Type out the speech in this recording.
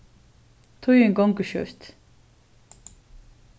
tíðin gongur skjótt